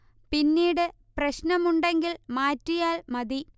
പിന്നീട് പ്രശ്നമുണ്ടെങ്കിൽ മാറ്റിയാൽ മതി